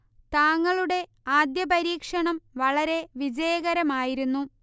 താങ്ങളുടെ ആദ്യ പരീക്ഷണം വളരെ വിജയകരമായിരുന്നു